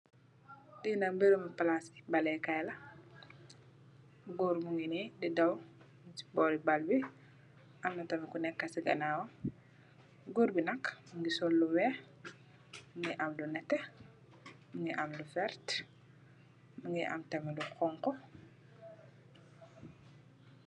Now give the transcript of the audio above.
Fii nak mbirum plaasi baaleh kaii la, gorre mungy nii dii daw, mung cii bohri bal bii, amna tamit ku neka cii ganaw, gorre bii nak mungy sol lu wekh, mungy am lu nehteh, mungy am lu vert, mungy am tamit lu honhu.